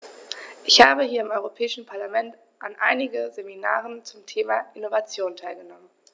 Ich habe hier im Europäischen Parlament an einigen Seminaren zum Thema "Innovation" teilgenommen.